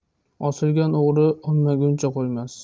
osilgan o'g'ri olmaguncha qo'ymas